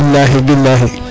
bilahi bilahi